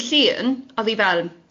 achos dydd Llun, o'dd hi fel